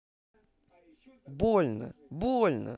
больно больно